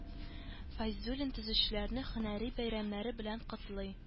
Фәйзуллин төзүчеләрне һөнәри бәйрәмнәре белән котлый